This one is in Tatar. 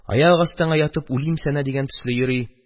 Аяк астыңа ятып үлимсәнә дигән төсле йөри.